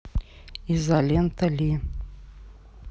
изолента ли